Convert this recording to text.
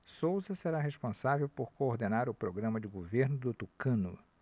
souza será responsável por coordenar o programa de governo do tucano